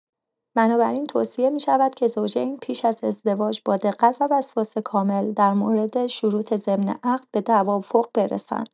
بنابراین، توصیه می‌شود که زوجین پیش از ازدواج با دقت و وسواس کامل در مورد شروط ضمن عقد به توافق برسند.